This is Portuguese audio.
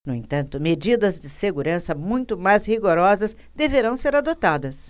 no entanto medidas de segurança muito mais rigorosas deverão ser adotadas